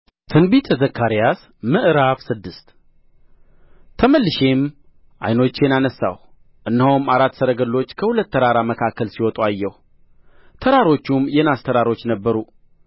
ትንቢተ ዘካርያስ ምዕራፍ ስድስት ተመልሼም ዓይኖቼን አነሣሁ እነሆም አራት ሰረገሎች ከሁለት ተራራ መካከል ሲወጡ አየሁ ተራሮቹም የናስ ተራሮች ነበሩ